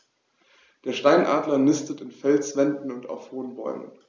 Der Steinadler nistet in Felswänden und auf hohen Bäumen.